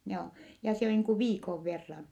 joo ja se on niin kuin viikon verran